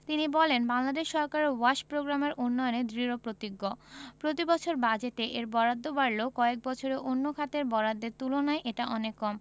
তিনি বলেন বাংলাদেশ সরকার ওয়াশ প্রোগ্রামের উন্নয়নে দৃঢ়প্রতিজ্ঞ প্রতিবছর বাজেটে এর বরাদ্দ বাড়লেও কয়েক বছরে অন্য খাতের বরাদ্দের তুলনায় এটা অনেক কম